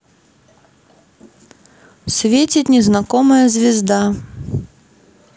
светит незнакомая звезда